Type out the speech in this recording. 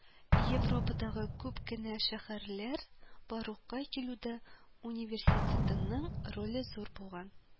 "европадагы күп кенә шәһәрләр барлыкка килүдә университетның роле зур булган